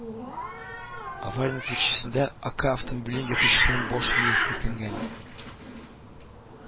Авария нәтиҗәсендә Ока автомобилен йөртүчесенең баш мие селкенгән